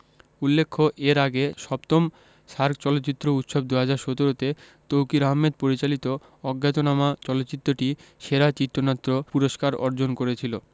উল্লেখ্য এর আগে ৭ম সার্ক চলচ্চিত্র উৎসব ২০১৭ তে তৌকীর আহমেদ পরিচালিত অজ্ঞাতনামা চলচ্চিত্রটি সেরা চিত্রনাট্য পুরস্কার অর্জন করেছিল